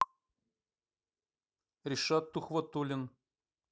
ришат тухватуллин